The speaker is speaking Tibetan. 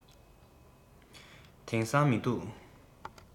དེང སང མི འདུག